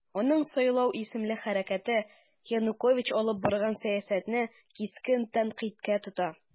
Аның "Сайлау" исемле хәрәкәте Янукович алып барган сәясәтне кискен тәнкыйтькә тота.